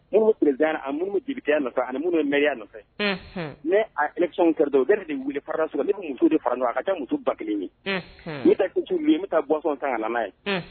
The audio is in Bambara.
Minnu tiled a minnu bɛ dibiteya nɔfɛ ani minnu bɛ mya nɔfɛ nesɔn kari dɔn o nin weele fara so ne bɛ muso de fara dɔn a ka taa muso ba kelen min n taa ku min n bɛ taa bɔsɔn san a n ye